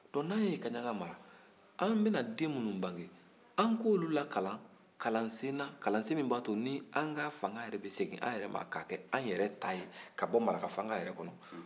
o la n'an ye kaɲaga mara an bɛna den minnu bange an k'olu lakalan kalansen na kalansen min b'a to nin an ka fanga bɛ segin an yɛrɛ ma k'a k'an yɛrɛ ta ye ka bɔ maraka fanga yɛrɛ kɔnɔ